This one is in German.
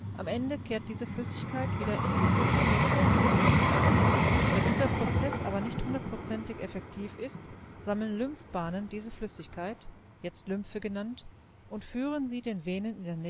Am Ende kehrt diese Flüssigkeit wieder in die Blutgefäße zurück. Da dieser Prozess aber nicht hundertprozentig effektiv ist, sammeln Lymphbahnen diese Flüssigkeit, jetzt Lymphe genannt, und führen sie den Venen